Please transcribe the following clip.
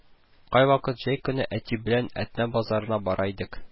Кайвакыт җәй көне әти белән Әтнә базарына бара идек